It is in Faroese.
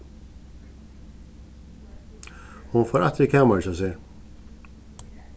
hon fór aftur í kamarið hjá sær